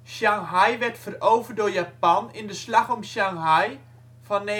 Shanghai werd veroverd door Japan in de Slag om Shanghai van 1937